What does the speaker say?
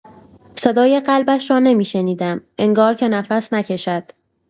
صدای قلبش را نمی‌شنیدم، انگار که نفس نکشد.